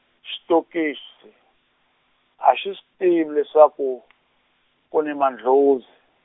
xitokisi a xi swi tivi leswaku , ku ni mandlhozi.